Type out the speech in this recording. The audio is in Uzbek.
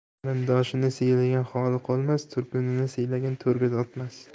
qarindoshini siylagan xoli qolmas to'rkunini siylagan to'rga o'tmas